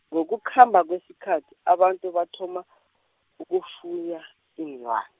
ngokukhamba kwesikhathi abantu bathoma, ukufuya iinlwana.